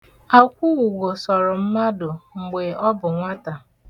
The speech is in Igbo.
Akwaugo sọrọ mmadụ mgbe ọ bụ nwata.